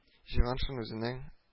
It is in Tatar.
Җиһаншин үзенең